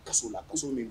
Kaso la min